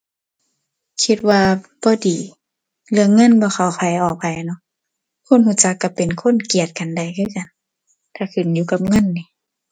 คิดว่าบ่ดี เรื่องเงินบ่เข้าไผออกไผอะเนาะ คนรู้จักรู้เป็นคนเกลียดกันได้คือกัน ถ้าขึ้นอยู่กับเงินหนิ